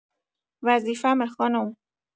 وظیفمه خانم